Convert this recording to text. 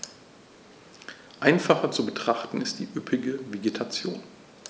Einfacher zu betrachten ist die üppige Vegetation.